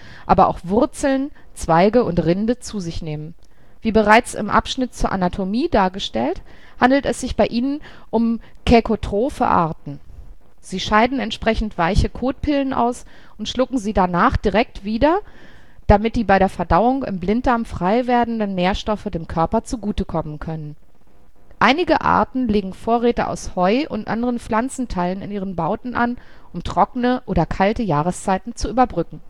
aber auch Wurzeln, Zweige und Rinde zu sich nehmen. Wie bereits im Abschnitt zur Anatomie dargestellt, handelt es sich bei ihnen um caecotrophe Arten. Sie scheiden entsprechend weiche Kotpillen aus und schlucken sie danach direkt wieder, damit die bei der Verdauung im Blinddarm freiwerdenden Nährstoffe dem Körper zugute kommen können. Einige Arten legen Vorräte aus Heu und anderen Pflanzenteilen in ihren Bauten an, um trockene oder kalte Jahreszeiten zu überbrücken